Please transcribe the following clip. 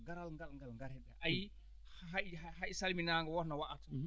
garal ngal ngal ngareɗaa ngal a yiyii hay hay salminaango won no wayata